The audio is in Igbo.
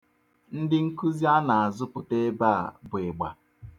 Ndị nkuzi a na-azụpụta ebe a bụ ịgba.